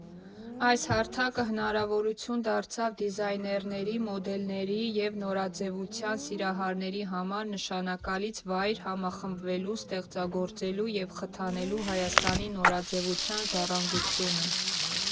Այս հարթակը հնարավորություն դարձավ դիզայներների, մոդելների և նորաձևության սիրահարների համար նշանակալից վայր՝ համախմբվելու, ստեղծագործելու և խթանելու Հայաստանի նորաձևության ժառանգությունը։